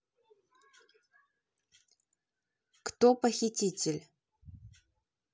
кто похититель